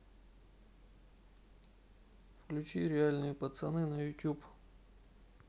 включи реальные пацаны на ютуб